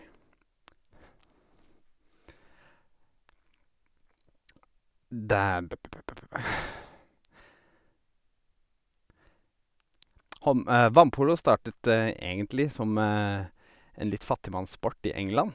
dæ bøpbøpbøpbøpø hånd Vannpolo startet egentlig som en litt fattigmannssport i England.